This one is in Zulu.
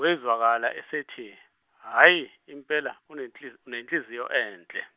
wezwakala esethi, hhayi impela unenhli- unenhliziyo enhle.